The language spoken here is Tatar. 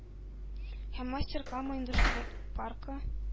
Һәм «мастер» кама индустриаль паркы